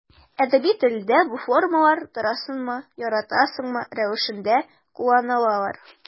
Әдәби телдә бу формалар торасыңмы, яратасыңмы рәвешендә кулланылалар.